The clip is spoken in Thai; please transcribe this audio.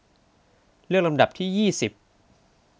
เลือกลำดับที่ยี่สิบ